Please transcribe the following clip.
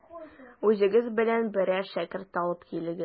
Үзегез белән берәр шәкерт тә алып килегез.